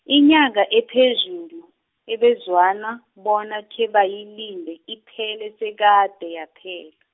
inyanga ephezulu, ebezwana, bona khebayilinde iphele sekade yaphela.